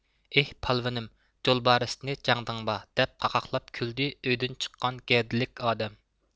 ئى پالۋىنىم جولبارىستى جەڭدىڭبا دەپ قاقاقلاپ كۈلدى ئۆيدىن چىققان گەۋدىلىك ئادەم